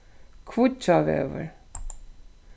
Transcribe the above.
kvíggjávegur